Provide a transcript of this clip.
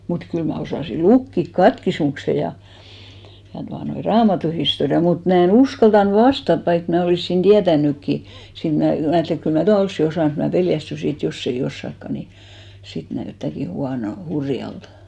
mutta kyllä minä osasin lukea katekismuksen ja ja tuota noin raamatunhistorian mutta minä en uskaltanut vastata vaikka minä olisin tietänytkin siinä minä minä ajattelin että kyllä minä tuon olisin osannut mutta minä pelästyin että jos ei osaakaan niin sitten näyttääkin - hurjalta